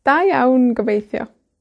Da iawn, gobeithio.